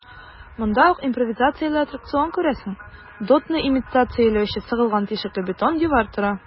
Монда ук импровизацияле аттракцион - күрәсең, дотны имитацияләүче сыгылган тишекле бетон дивар тора.